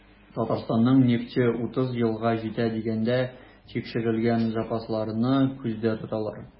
Татарстанның нефте 30 елга җитә дигәндә, тикшерелгән запасларны күздә тоталар.